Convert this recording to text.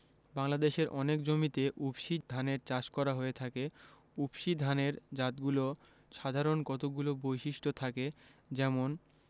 বাংলাদেশের অনেক জমিতে উফশী ধানের চাষ করা হয়ে থাকে উফশী ধানের জাতগুলোর সাধারণ কতগুলো বৈশিষ্ট্য থাকে যেমন